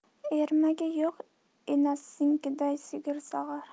ermagi yo'q enasinikida sigir sog'ar